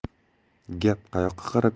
gap qayoqqa qarab